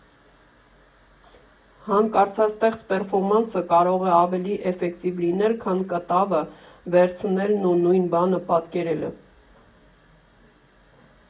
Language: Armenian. Հանկարծաստեղծ պերֆորմանսը կարող է ավելի էֆեկտիվ լինել, քան կտավը վերցնելն ու նույն բանը պատկերելը։